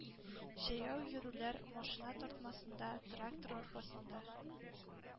Җәяү йөрүләр, машина тартмасында, трактор арбасында,